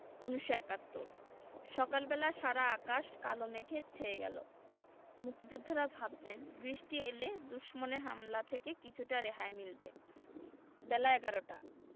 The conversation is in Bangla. ১৯৭১ সকাল বেলা সারা আকাশ কালো মেঘে ছেয়ে গেল মুক্তিযোদ্ধারা ভাবলেন বৃষ্টি এলে দুশমনের হামলা থেকে কিছুটা রেহাই মিলবে বেলা এগারোটা